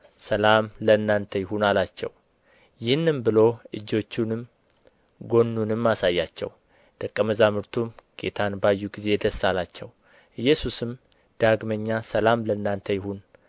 ሰላም ለእናንተ ይሁን አላቸው ይህንም ብሎ እጆቹንም ጎኑንም አሳያቸው ደቀ መዛሙርቱም ጌታን ባዩ ጊዜ ደስ አላቸው ኢየሱስም ዳግመኛ ሰላም ለእናንተ ይሁን